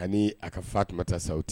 Ka a ka fa tun taa saw tɛ